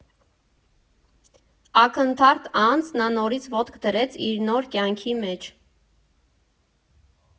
Ակնթարթ անց նա նորից ոտք դրեց իր նոր կյանքի մեջ։